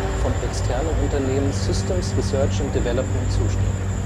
vom externen Unternehmen Systems Research & Development (SRD) zuständig